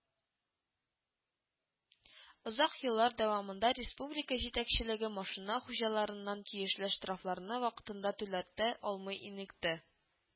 Озак еллар дәвамында республика җитәкчелеге машина хуҗаларыннан тиешле штрафларны вакытында түләтә алмый инлекте